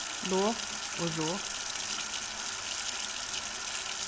lop og rop